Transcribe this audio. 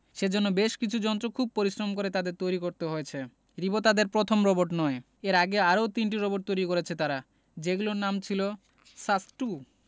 সেজন্য বেশ কিছু যন্ত্র খুব পরিশ্রম করে তাদের তৈরি করতে হয়েছে রিবো তাদের প্রথম রোবট নয় এর আগে আরও তিনটি রোবট তৈরি করেছে তারা যেগুলোর নাম ছিল সাস্ট টু